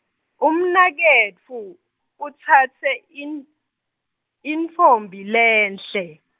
umnaketfu, utsatse in-, intfombi lenhle.